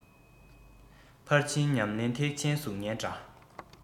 ཕར ཕྱིན ཉམས ལེན ཐེག ཆེན གཟུགས བརྙན འདྲ